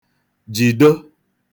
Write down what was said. jìdo